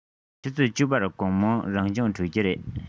ཆུ ཚོད བཅུ པར དགོང མོའི རང སྦྱོང གྲོལ གྱི རེད